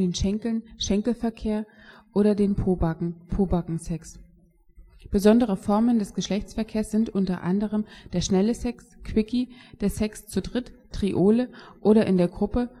Schenkeln (Schenkelverkehr) oder den Pobacken (Pobacken-Sex). Besondere Formen des Geschlechtsverkehrs sind u.a. der schnelle Sex (Quickie), der Sex zu Dritt (Triole) oder in der Gruppe